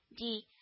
Ди